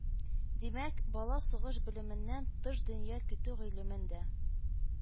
Димәк, бала сугыш белеменнән тыш дөнья көтү гыйлемен дә